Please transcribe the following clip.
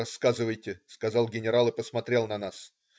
Рассказывайте",сказал генерал и посмотрел на нас.